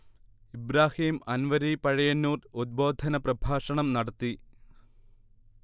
ഇബ്രാഹിം അൻവരി പഴയന്നൂർ ഉദ്ബോധന പ്രഭാഷണം നടത്തി